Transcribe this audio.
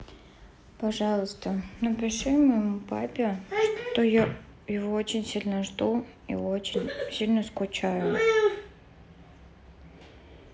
пожалуйста напиши моему папе что я его очень сильно жду и очень сильно скучаю